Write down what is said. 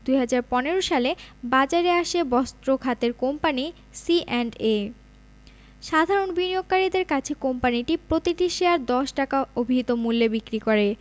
২০১৫ সালে বাজারে আসে বস্ত্র খাতের কোম্পানি সিঅ্যান্ডএ সাধারণ বিনিয়োগকারীদের কাছে কোম্পানিটি প্রতিটি শেয়ার ১০ টাকা অভিহিত মূল্যে বিক্রি করে